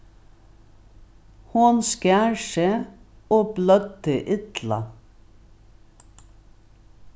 hon skar seg og bløddi illa